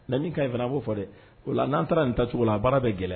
Nami ka in fana a b'o fɔ dɛ o la n'an taara nin tacogo a baara bɛɛ gɛlɛn